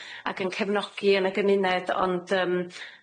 Ac yn cefnogi yn y gymuned. Ond yym